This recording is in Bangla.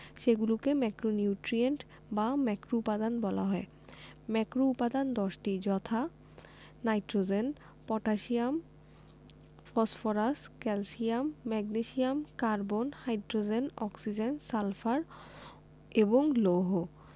সেগুলোকে ম্যাক্রোনিউট্রিয়েন্ট বা ম্যাক্রোউপাদান বলা হয় ম্যাক্রোউপাদান ১০টি যথা nitrogen potassium phosphorus calcium magnesium carbon hydrogen oxygen sulphur এবং লৌহ